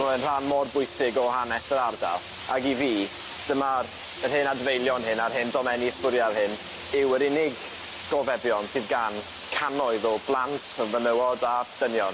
Mae o'n rhan mor bwysig o hanes yr ardal ag i fi dyma'r yr hen adfeilion hyn a'r hen domenni ysbwriel hyn yw yr unig gofebion sydd gan cannoedd o blant o fenywod a dynion.